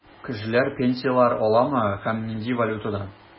Кешеләр пенсияләр аламы һәм нинди валютада?